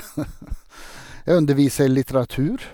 Jeg underviser litteratur.